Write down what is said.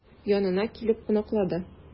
Янына килеп кунаклады.